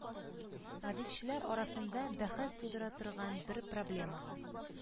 Җәдитчеләр арасында бәхәс тудыра торган бер проблемага